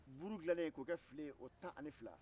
buru dilanne k'o kɛ file ye o tan ani fila